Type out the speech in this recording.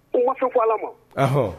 Ma ko ala ma